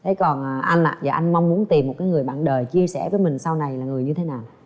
thế còn à anh ạ dạ anh mong muốn tìm một cái người bạn đời chia sẻ với mình sau này là người như thế nào